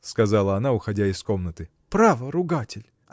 — сказала она, уходя из комнаты, — право, ругатель!